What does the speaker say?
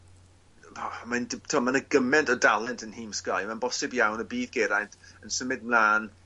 mae'n di- t'mod ma' 'na gyment o dalent yn nhîm Sky ma'n bosib iawn y bydd Geraint yn symud mlan